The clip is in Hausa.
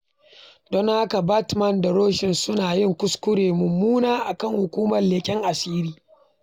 Don haka Batman da Robin suna yi kuskure mummuna a kan Hukumar Leƙen Asiri ta Sarauniya sun dawo bakin aiki, suna haɗuwa da kyakkyawar matsalar mace Ophelia Bulletova ta Olga Kurylenko.